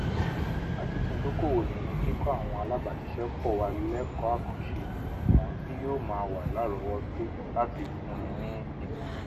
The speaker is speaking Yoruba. A tún ti dókòòwò nínú kíkọ́ àwọn alábàṣiṣẹ́pọ̀ wa lẹ́kọ̀ọ́ àkànṣe àwọn tí yóò máa wà láàrọ́wọ́tó láti fúnni ni ímọ̀ràn.